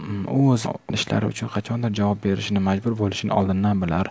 u o'zi ishlari uchun qachondir javob berishini majbur bo'lishini oldindan bilar